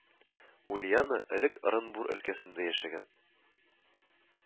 Ульяна элек Ырынбур өлкәсендә яшәгән